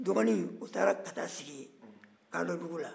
dɔgɔnin o taara ka taa a sigi kaadɔdugu la